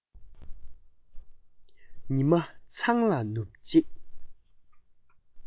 ཉི མ ཚང ལ ནུབ རྗེས